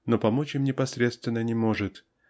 но помочь им непосредственно не может